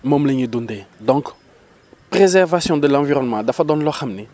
moom la ñuy dundee donc préservation de l' environnement dafa doon loo xam ni